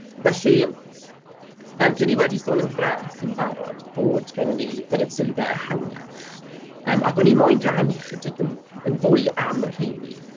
Felly, yym dan ni wedi sôn yn frâs yn barod bod gennyn ni ddyletswydde ehangach, yym ac o'n i moyn rannu chydig yn yn fwy am y rheini.